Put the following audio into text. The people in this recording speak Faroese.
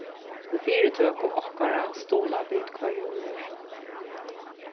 í fyritøku okkara stuðla vit hvørjum øðrum